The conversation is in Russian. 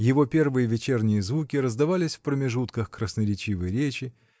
его первые вечерние звуки раздавались в промежутках красноречивой речи